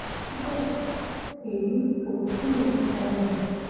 Síbẹ̀ èyí kò tìí ṣẹlẹ̀.